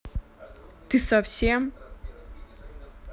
ты совсем